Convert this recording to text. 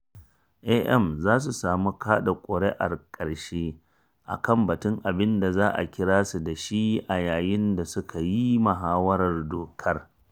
AMs za su sami kaɗa kuri’ar karshe a kan batun abin da za a kira su da shi a yayin da suka yi mahawarar dokar.